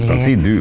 du kan si du.